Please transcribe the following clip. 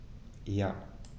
Ja.